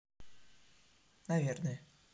наверное